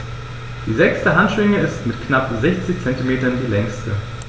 Die sechste Handschwinge ist mit knapp 60 cm die längste.